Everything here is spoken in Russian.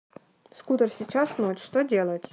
scooter сейчас ночь что делать